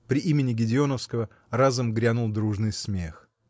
При имени Гедеоновского разом грянул дружный смех.